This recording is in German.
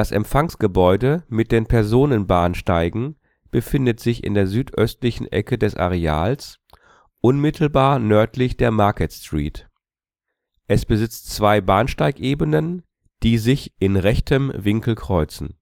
Empfangsgebäude mit den Personenbahnsteigen befindet sich in der südöstlichen Ecke des Areals unmittelbar nördlich der Market Street. Es besitzt zwei Bahnsteigebenen, die sich in rechtem Winkel kreuzen